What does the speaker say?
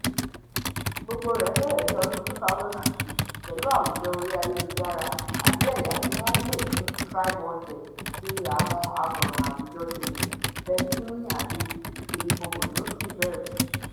Gbogbo rẹ̀ bẹ̀rẹ̀ ní ọdún 2006 pẹ̀lú àwùjọ orí ayélujára àbí "ẹ̀yà" tí wọ́n ń pè ní TribeWanted tí àwọn afọ̀ràn-àwùjọṣòwò Ben Keene àti Filippo Bozotti bẹ̀rẹ̀.